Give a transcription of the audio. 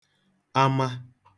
ama